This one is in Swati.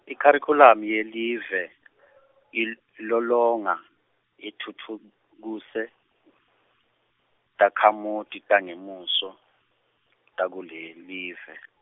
ikharikhulamu yelive , il- lolonga, itfutfukuse, takhamuti tangemuso, takulelive.